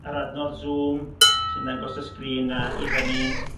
yr adnodd Zoom sy'n dangos y sgrin a i fyny i dop y sgrin neu